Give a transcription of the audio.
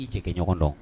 I'i jɛ kɛ ɲɔgɔn dɔn